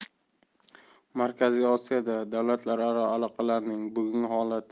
markaziy osiyoda davlatlararo aloqalarning bugungi holati